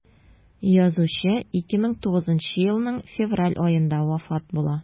Язучы 2009 елның февраль аенда вафат була.